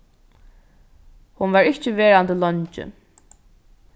hon varð ikki verandi leingi